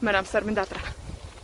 mae'n amser mynd adra.